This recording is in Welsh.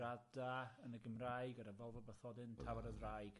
Gradd da yn y Gymraeg ar y Vovo Bathodyn, Tafod y Ddraig.